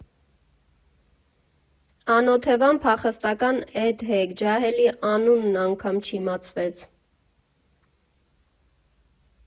Անօթևան փախստական էդ հեգ ջահելի անունն անգամ չիմացվեց։